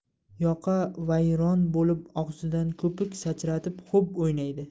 yoqavayron bo'lib og'zidan ko'pik sachratib xo'p o'ynaydi